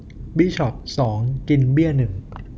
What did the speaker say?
บิชอปสองกินเบี้ยหนึ่ง